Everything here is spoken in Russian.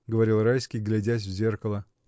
— говорил Райский, глядясь в зеркало.